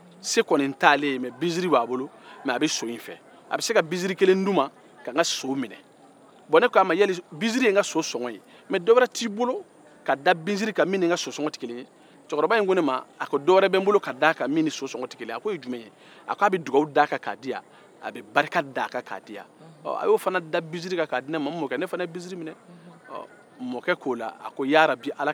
bɔn ne k'a ma binsiri ye n ka so sɔgɔn mɛ dɔwɛrɛ t'i bolo ka da binsiri ka min ni n ka so sɔgɔn tɛ kelen ye cɛkɔrɔba in ko ne ma o ko dɔwɛrɛ bɛ n bolo ka d'i ma min ni so sɔgɔn tɛ kelen ye a k'a bɛ dugawu d'a kan ka di yan a bɛ barika d'a kan ka di yan ɔ a y'o fana da binsiri kan ka di ne ma ne fana ye binsiri minɛ ɔ mɔkɛ k'o la a ko yarabi ala ka dugawu ni barika don an bɛɛ la